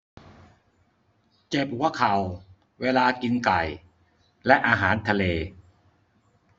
เจ็บหัวเข่าเวลากินไก่และอาหารทะเล